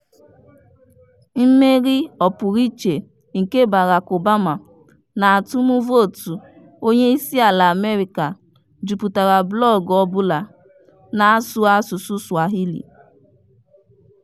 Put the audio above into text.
Mmeri ọpụrụiche nke Barack Obama n'atụmụvotu Onyeisiala Amerịka juputara blọọgụ ọbụla na-asụ asụsụ Swahili.